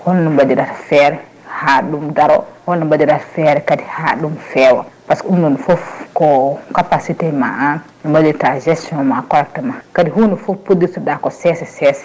holno mbaɗirata feere ha ɗum daaro holno mbaɗirata feere kadi ha ɗum fewa par ce que ɗum ɗon foof ko capacité ma an no mbaɗirta gestion ma korka ma kadi hunde foof poɗirtoɗa ko seesa seesa